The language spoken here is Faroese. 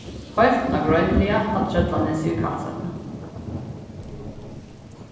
heilt nágreiniliga á trøllanesi í kalsoynni